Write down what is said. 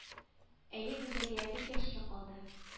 Әйе гүзәлия бик яшьли калды